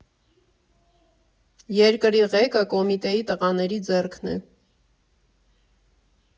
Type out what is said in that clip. Երկրի ղեկը Կոմիտեի տղաների ձեռքն է։